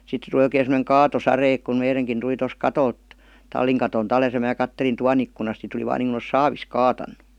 sitten tuli oikein semmoinen kaatosade että kun meidänkin tuli tuosta katolta tallin katolta alas ja minä katselin tuvan ikkunassa sitten tuli vain niin kuin olisi saavista kaatanut